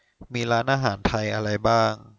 มีร้านอาหารไทยอะไรบ้าง